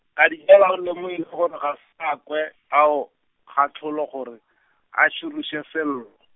Kadijela o lem- , ga sa kwe, ao, gohlola gore, a tširoše Sello.